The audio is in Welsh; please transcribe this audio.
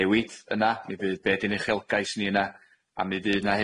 newid yna mi fydd be' di'n uchelgais ni yna a mi fydd 'na